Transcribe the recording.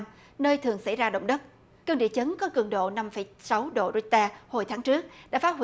nơi thường xảy ra động đất cơn địa chấn có cường độ năm phẩy sáu độ rích te hồi tháng trước đã phá hủy